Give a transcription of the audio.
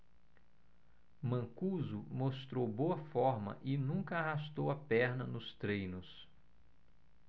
mancuso mostrou boa forma e nunca arrastou a perna nos treinos